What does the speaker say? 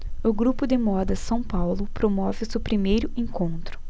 o grupo de moda são paulo promove o seu primeiro encontro